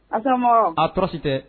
Asa a tɔɔrɔsi tɛ